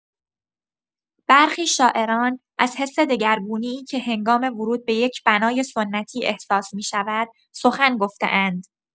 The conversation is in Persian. برخی شاعران، از حس دگرگونی‌ای که هنگام ورود به یک بنای سنتی احساس می‌شود، سخن گفته‌اند.